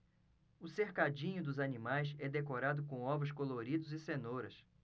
o cercadinho dos animais é decorado com ovos coloridos e cenouras